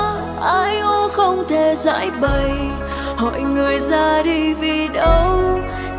ái ố không thể giãi bày hỏi người ra đi vì đâu